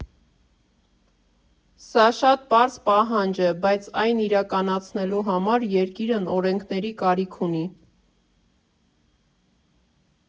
Սա շատ պարզ պահանջ է, բայց այն իրականացնելու համար երկիրն օրենքների կարիք ունի։